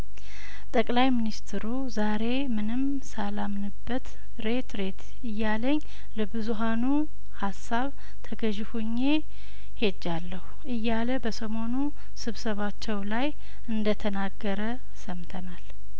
ጠቅላይ ሚኒስትሩ ዛሬ ምንም ሳላምንበት ሬት ሬት እያለኝ ለብዙሀኑ ሀሳብ ተገዥ ሁኜ ሄጃለሁ እያለ በሰሞኑ ስብሰባቸው ላይ እንደተናገረ ሰምተናል